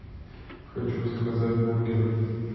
хочу заказать бургер